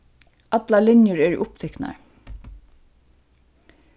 allar linjur eru upptiknar